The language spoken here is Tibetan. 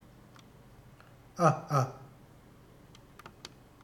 ཨ ཨ